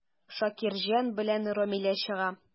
Шакирҗан белән Рамилә чыга.